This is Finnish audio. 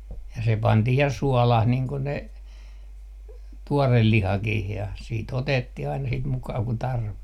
ja se pantiin ja suolaan niin kuin ne tuore lihakin ja sitten otettiin aina sitä mukaa kuin tarvitsi